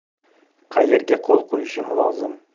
qayerga qo'l qo'yishim lozim